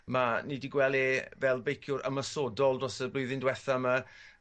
ma' ni 'di gwel' e fel beiciwr ymasodol dros y blwyddyn dwetha 'ma.